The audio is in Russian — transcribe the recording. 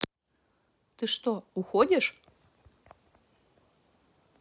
ты что уходишь